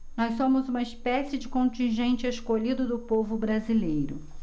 nós somos uma espécie de contingente escolhido do povo brasileiro